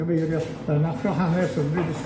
###gyfeirio yn athro hanes ym